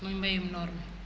muy mbayum noor mi